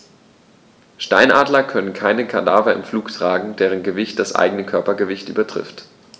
Steinadler können keine Kadaver im Flug tragen, deren Gewicht das eigene Körpergewicht übertrifft.